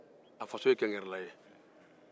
a fasoo ye kɛnkɛrɛla ye